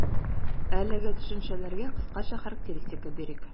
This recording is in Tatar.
Әлеге төшенчәләргә кыскача характеристика бирик.